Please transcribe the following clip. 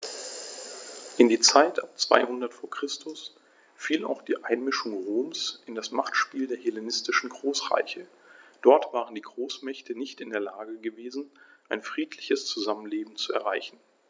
In die Zeit ab 200 v. Chr. fiel auch die Einmischung Roms in das Machtspiel der hellenistischen Großreiche: Dort waren die Großmächte nicht in der Lage gewesen, ein friedliches Zusammenleben zu erreichen.